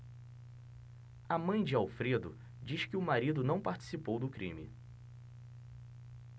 a mãe de alfredo diz que o marido não participou do crime